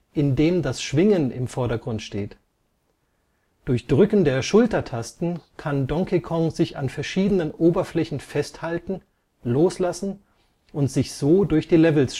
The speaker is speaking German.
in dem das Schwingen im Vordergrund steht. Durch Drücken der Schultertasten kann Donkey Kong sich an verschiedenen Oberflächen festhalten, loslassen und sich so durch die Levels